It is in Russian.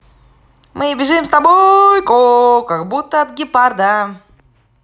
мы бежим с тобой ко как будто от гепарда